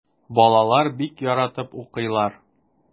Балалар бик яратып укыйлар.